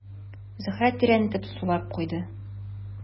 Зөһрә тирән итеп сулап куйды.